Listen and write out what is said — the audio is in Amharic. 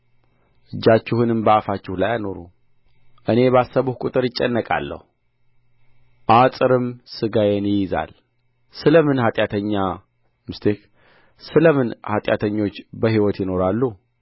እጃችሁንም በአፋችሁ ላይ አኑሩ እኔ ባሰብሁ ቍጥር እጨነቃለሁ ፃዕርም ሥጋዬን ይይዛል ስለ ምን ኃጢአተኞች በሕይወት ይኖራሉ